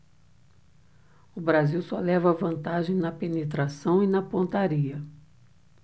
o brasil só leva vantagem na penetração e na pontaria